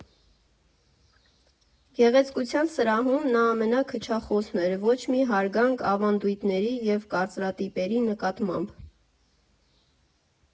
Գեղեցկության սրահում նա ամենաքչախոսն էր՝ ոչ մի հարգանք ավանդույթների և կարծրատիպերի նկատմամբ։